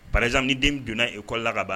Par exemple ni donna école la ka ban